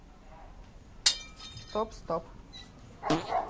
топ стоп